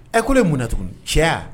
Ɛ ko ne ye mun na tugunni cɛ ya?